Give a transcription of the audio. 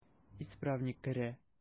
Исправник керә.